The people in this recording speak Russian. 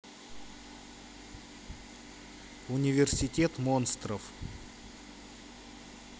университет монстров